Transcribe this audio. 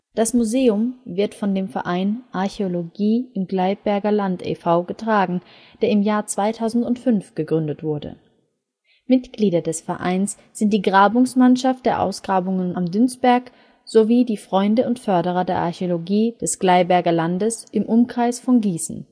Das Museum wird vom Verein Archäologie im Gleiberger Land e. V. getragen, der im Jahre 2005 gegründet wurde. Mitglieder des Vereins sind die Grabungsmannschaft der Ausgrabungen am Dünsberg sowie die Freunde und Förderer der Archäologie des Gleiberger Landes im Umkreis von